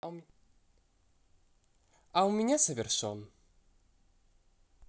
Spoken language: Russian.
а у меня совершен